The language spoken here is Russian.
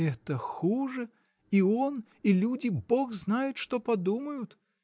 — Это хуже: и он, и люди бог знает что подумают.